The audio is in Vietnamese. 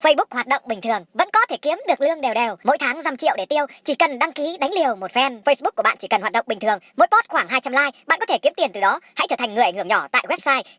phây búc hoạt động bình thường vẫn có thể kiếm được lương đều đều mỗi tháng dăm triệu để tiêu chỉ cần đăng ký đánh liều một phen phây búc của bạn chỉ cần hoạt động bình thường mỗi pót khoảng hai trăm lai bạn có thể kiếm tiền từ đó hãy trở thành người ảnh hưởng nhỏ tại goét sai